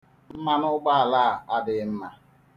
Mmanụụgbaala a adịghị mma.